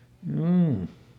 juu